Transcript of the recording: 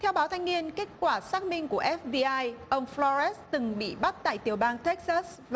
theo báo thanh niên kết quả xác minh của ép bi ai ông phờ lo rét từng bị bắt tại tiểu bang tếch xớt và